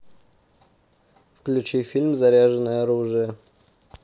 включи фильм заряженное оружие